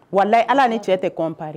walahi hali ani cɛ tɛ comparer